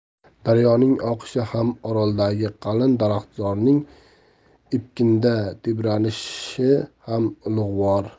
daryoning oqishi ham oroldagi qalin daraxtzorning epkinda tebranishi ham ulug'vor